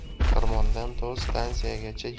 xirmondan to stansiyagacha